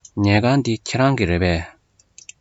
ཉལ ཁང འདི ཁྱེད རང གི རེད པས